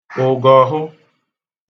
ụ̀gọ̀hụ